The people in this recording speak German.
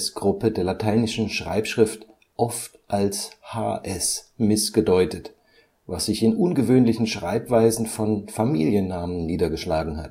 ſs-Gruppe der lateinischen Schreibschrift oft als hs missgedeutet, was sich in ungewöhnlichen Schreibweisen von Familiennamen niedergeschlagen